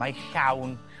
mae'n llawn